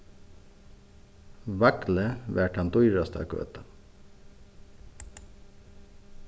vaglið var tann dýrasta gøtan